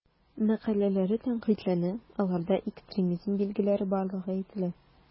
Мәкаләләре тәнкыйтьләнә, аларда экстремизм билгеләре барлыгы әйтелә.